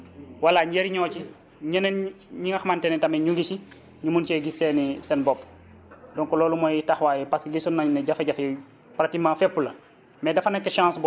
mu dem liggéey voilà njëriñoo ci ñeneen ñi nga xamante ne tamit ñu ngi ci ñu mun cee gis seen i seen bopp donc loolu mooy taxawaay parce que gisoon nañ ne jafe-jafe yu pratiquement fépp la